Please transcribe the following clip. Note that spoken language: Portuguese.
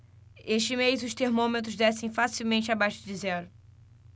este mês os termômetros descem facilmente abaixo de zero